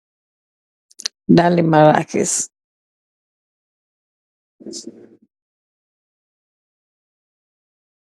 dala marakiss